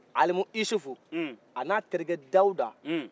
alimusufu a n'a terikɛ dawuda hun